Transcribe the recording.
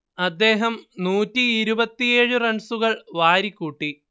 അദ്ദേഹം നൂറ്റിയിരുപത്തിയേഴ് റൺസുകൾ വാരിക്കൂട്ടി